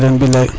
a miña fela den